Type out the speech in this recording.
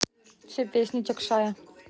все песни текшая